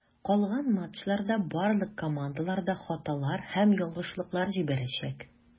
Калган матчларда барлык командалар да хаталар һәм ялгышлыклар җибәрәчәк.